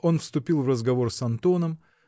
он вступил в разговор с Антоном